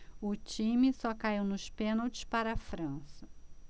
o time só caiu nos pênaltis para a frança